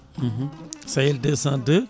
Sayel 202